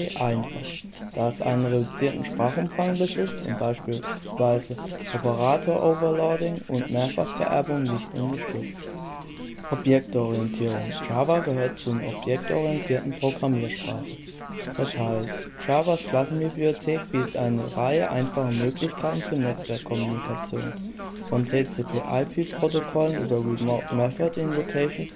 einfach, da es einen reduzierten Sprachumfang besitzt und beispielsweise Operator Overloading und Mehrfachvererbung nicht unterstützt. Objektorientierung Java gehört zu den objektorientierten Programmiersprachen. Verteilt Javas Klassenbibliothek bietet eine Reihe einfacher Möglichkeiten für Netzwerkkommunikation, von TCP/IP-Protokollen über Remote Method Invocation